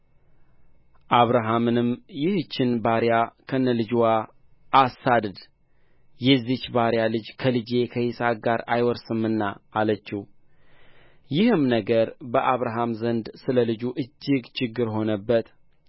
አብርሃምንም ይህችን ባሪያ ከነልጅዋ አሳድድ የዚህች ባሪያ ልጅ ከልጄ ከይስሐቅ ጋር አይወርስምና አለችው ይህም ነገር በአብርሃም ዘንድ ስለ ልጁ እጅግ ችግር ሆነበት